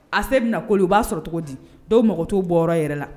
A selen bɛ na koli u b'a sɔrɔ tɔgɔ di dɔw mɔgɔ t to bɔra yɛrɛ la